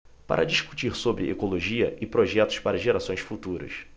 para discutir sobre ecologia e projetos para gerações futuras